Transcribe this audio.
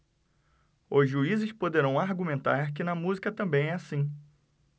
os juízes poderão argumentar que na música também é assim